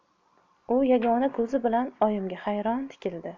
u yagona ko'zi bilan oyimga hayron tikildi